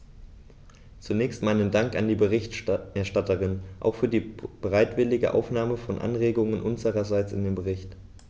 Zunächst meinen Dank an die Berichterstatterin, auch für die bereitwillige Aufnahme von Anregungen unsererseits in den Bericht.